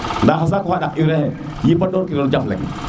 nda xa saaku xandaq urée xe yipa ndor kino jaf leng